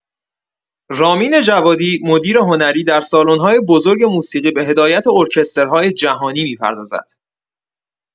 رامین جوادی، مدیر هنری، در سالن‌های بزرگ موسیقی به هدایت ارکسترهای جهانی می‌پردازد.